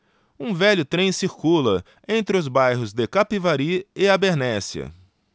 um velho trem circula entre os bairros de capivari e abernéssia